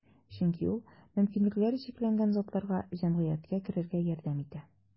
Чөнки ул мөмкинлекләре чикләнгән затларга җәмгыятькә керергә ярдәм итә.